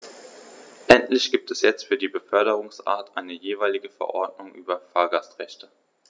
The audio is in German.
Endlich gibt es jetzt für jede Beförderungsart eine jeweilige Verordnung über Fahrgastrechte.